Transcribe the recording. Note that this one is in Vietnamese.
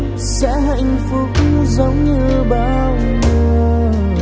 sẽ hạnh phúc giống như bao người